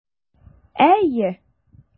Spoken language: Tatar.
Әйе.